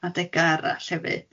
adega arall hefyd.